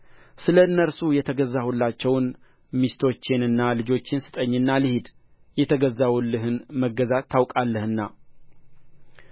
ስለ እነርሱ የተገዛሁላቸውን ሚስቶቼንና ልጆቼን ስጠኝና ልሂድ የተገዛሁልህን መገዛት ታውቃለህና